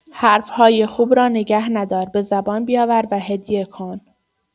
حرف‌های خوب را نگه ندار، به زبان بیاور و هدیه کن.